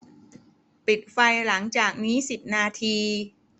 ปิดไฟหลังจากนี้สิบนาที